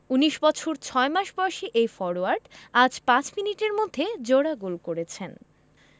১৯ বছর ৬ মাস বয়সী এই ফরোয়ার্ড আজ ৫ মিনিটের মধ্যে জোড়া গোল করেছেন